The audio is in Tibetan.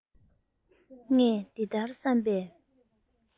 ངས འདི ལྟར བསམ